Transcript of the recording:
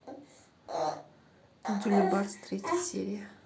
джульбарс третья серия